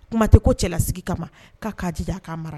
Kuma tɛ ko cɛlasigi kama''a di a'a mara